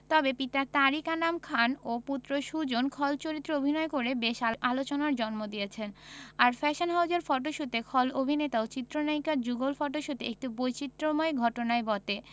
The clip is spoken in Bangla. তবে পিতা তারিক আনাম খান ও পুত্র সুজন খল চরিত্রে অভিনয় করে বেশ আল আলোচনার জন্ম দিয়েছেন আর ফ্যাশন হাউজের ফটোশুটে খল অভিনেতা ও চিত্রনায়িকার যুগল ফটোশুট একটু বৈচিত্রময় ঘটনাই বটে